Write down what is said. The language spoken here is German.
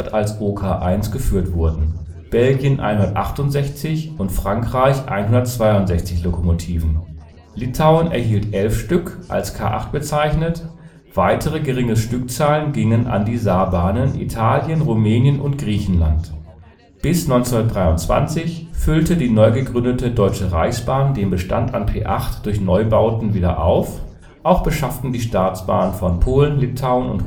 als Ok 1), Belgien 168 und Frankreich 162 Lokomotiven. Litauen erhielt 11 Stück (als K8 bezeichnet), weitere geringe Stückzahlen gingen an die Saarbahnen, Italien, Rumänien und Griechenland. Bis 1923 füllte die neugegründete DR den Bestand an P 8 durch Neubauten wieder auf, auch beschafften die Staatsbahnen von Polen, Litauen